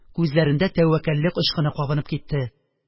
Күзләрендә тәвәккәллек очкыны кабынып китте,